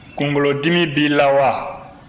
kunkolodimi b'i la wa